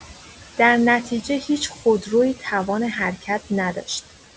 در نتیجه هیچ خودرویی توان حرکت نداشت.